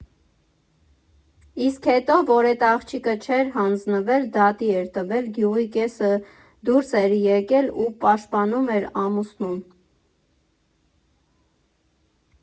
Իսկ հետո որ էդ աղջիկը չէր հանձնվել, դատի էր տվել, գյուղի կեսը դուրս էր եկել ու պաշտպանում էր ամուսնուն։